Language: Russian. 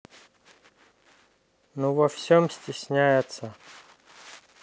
ну во всем стесняется